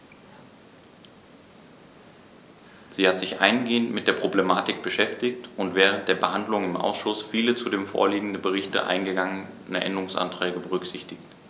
Sie hat sich eingehend mit der Problematik beschäftigt und während der Behandlung im Ausschuss viele zu dem vorliegenden Bericht eingegangene Änderungsanträge berücksichtigt.